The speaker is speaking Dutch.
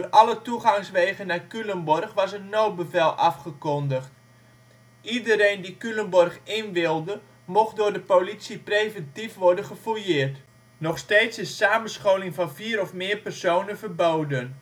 alle toegangswegen naar Culemborg was een noodbevel afgekondigd. Iedereen die Culemborg in wilde mocht door de politie preventief worden gefouilleerd. Nog steeds is samenscholing van vier of meer personen verboden